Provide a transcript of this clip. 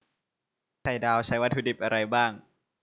ไข่ดาวใช้วัตถุดิบอะไรบ้าง